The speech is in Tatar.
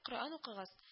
Коръән укыгыз